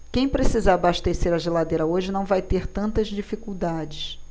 quem precisar abastecer a geladeira hoje não vai ter tantas dificuldades